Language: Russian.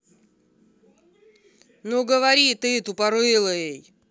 ну говори ты тупорылый